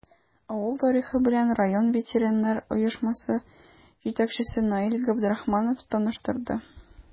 Авыл тарихы белән район ветераннар оешмасы җитәкчесе Наил Габдрахманов таныштырды.